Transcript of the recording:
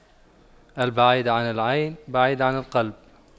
البعيد عن العين بعيد عن القلب